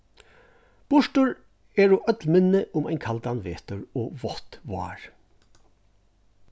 burtur eru øll minni um ein kaldan vetur og vátt vár